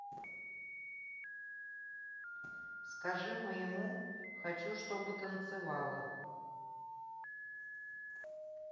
скажи моему хочу чтобы танцевала